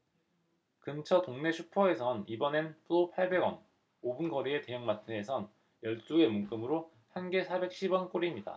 근처 동네 슈퍼에선 이번엔 또 팔백 원 오 분 거리의 대형마트에선 열 두 개 묶음으로 한 개 사백 십 원꼴입니다